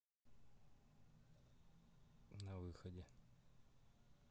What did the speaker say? на выходе